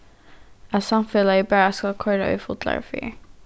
at samfelagið bara skal koyra við fullari ferð